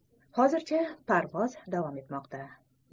hozircha parvoz davom etmoqda